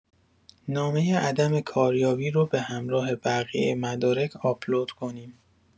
نامۀ عدم کاریابی رو به همراه بقیۀ مدارک آپلود کنیم